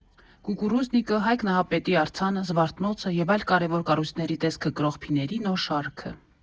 Կուկուռուզնիկը, Հայկ Նահապետի արձանը, «Զվարթնոցը» և այլ կարևոր կառույցների տեսքը կրող փիների նոր շարքը։